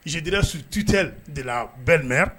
Je dirais sous tutelle de la belle mère